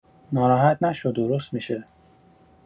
ناراحت نشو درست می‌شه